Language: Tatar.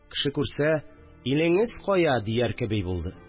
Кеше күрсә, «Илеңез кая?» дияр кеби булды